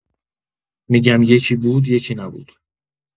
می‌گم یکی بود، یکی نبود.